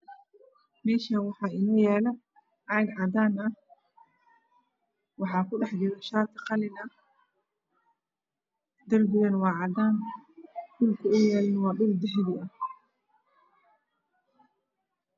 Meshan waxaa iinoo yaalo caag cadanah waxaa kudhex jiro shaati qalin ah darbigane waa cadan dhulka uu yaale waa dhul dahabi ah